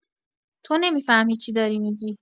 تو نمی‌فهمی چی داری می‌گی.